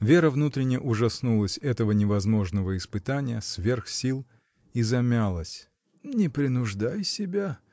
Вера внутренно ужаснулась этого невозможного испытания, сверх сил, и замялась. — Не принуждай себя!